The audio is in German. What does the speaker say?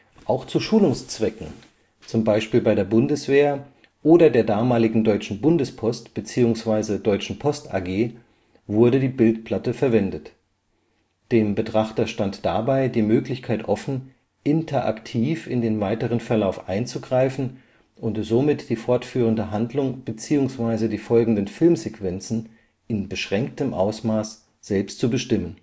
Auch zu Schulungszwecken – zum Beispiel bei der Bundeswehr oder der damaligen Deutschen Bundespost, bzw. Deutschen Post AG – wurde die Bildplatte verwendet. Dem Betrachter stand dabei die Möglichkeit offen, interaktiv in den weiteren Verlauf einzugreifen und somit die fortführende Handlung bzw. die folgenden Filmsequenzen (in beschränktem Ausmaß) selbst zu bestimmen